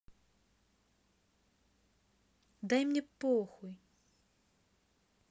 дай мне похуй